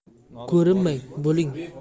ko'rinmang bo'ling